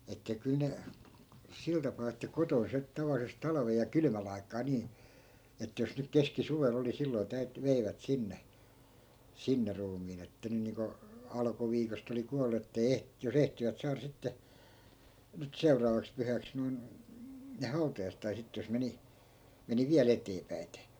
että kyllä ne sillä tapaa että kotona se tavallisesti talven ja kylmän aikaan niin että jos nyt keskisuvella oli silloin - veivät sinne sinne ruumiin että nyt niin kuin alkuviikosta oli kuollut että ei - jos ehtivät saada sitten nyt seuraavaksi pyhäksi noin ne hautajaiset tai sitten jos meni meni vielä eteenpäiten